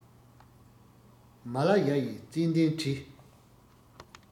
མ ལ ཡ ཡི ཙན དན དྲི